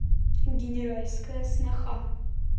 генеральская сноха